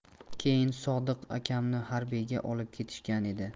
keyin sodiq akamni harbiyga olib ketishgan edi